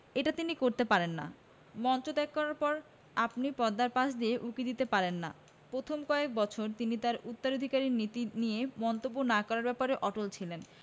এটা তিনি করতে পারেন না মঞ্চ ত্যাগ করার পর আপনি পর্দার পাশ দিয়ে উঁকি দিতে পারেন না প্রথম কয়েক বছর তিনি তাঁর উত্তরাধিকারীর নীতি নিয়ে মন্তব্য না করার ব্যাপারে অটল ছিলেন